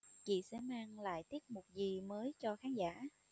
chị sẽ mang lại tiết mục gì mới cho khán giả